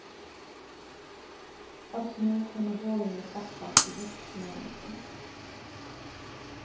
eitt nú kunnu holini stappast við høsnaneti